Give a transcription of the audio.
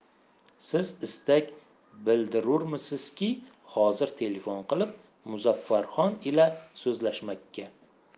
siz istak bildirurmisizki hozir telefon qilib muzaffarxon ila so'zlashmakka